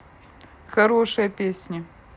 хорошая песня